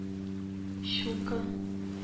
Щука